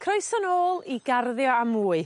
Croeso nôl i Garddio a Mwy.